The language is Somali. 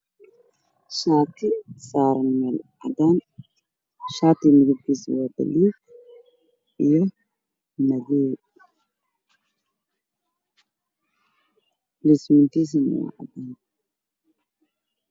Waa shati saaran miis cadaan kalarkiisu yahay dhulug madow isku dhex jiro